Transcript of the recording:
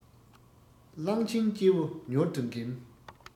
གླང ཆེན སྤྱི བོ མྱུར དུ འགེམས